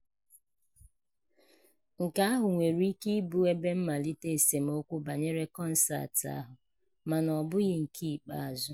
Nke ahụ nwere ike ịbụ ebe mmalite esemokwu banyere kọnseetị ahụ, mana ọ bụghị nke ikpeazụ.